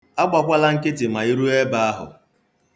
Agbakwala nkịtị ma i ruo ebe ahụ.